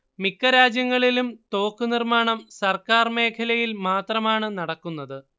മിക്ക രാജ്യങ്ങളിലും തോക്കുനിർമ്മാണം സർക്കാർ മേഖലയിൽ മാത്രമാണ് നടക്കുന്നത്